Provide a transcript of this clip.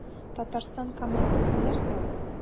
Татарстан командасы нәрсә ул?